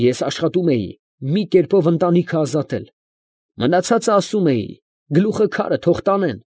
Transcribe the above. Ես աշխատում էի մի կերպով ընտանիքը ազատել. մնացածը, ասում էի, գլուխը քարը, թո՛ղ տանեն։